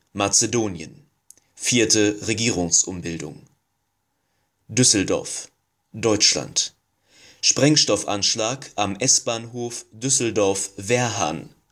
Mazedonien: Vierte Regierungsumbildung. Düsseldorf/Deutschland: Sprengstoffanschlag am S-Bahnhof Düsseldorf-Wehrhahn